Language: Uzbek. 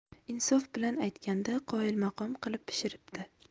insof bilan aytganda qoyilmaqom qilib pishiribdi